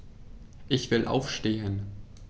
Ich will aufstehen.